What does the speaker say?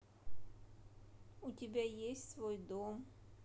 у тебя есть свой дом